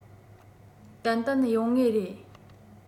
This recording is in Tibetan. ཏན ཏན ཡོང ངེས རེད